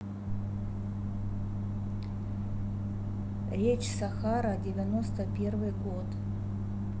речь сахара девяносто первый год